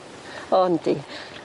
O yndi.